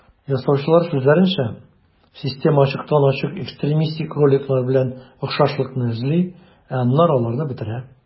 Ясаучылар сүзләренчә, система ачыктан-ачык экстремистик роликлар белән охшашлыкны эзли, ә аннары аларны бетерә.